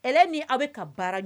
Ale ni aw bɛ ka baarajan